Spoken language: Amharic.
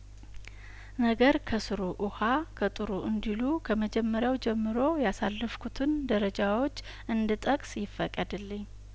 ነገር ከስሩ ውሀ ከጥሩ እንዲሉ ከመጀመሪያው ጀምሮ ያሳለፍ ኩትን ደረጃዎች እንድ ጠቅስ ይፈቀድልኝ